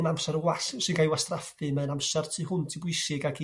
yn amser y was- sy gael 'i wastraffu, mae'n amser tu hwnt i bwysig ag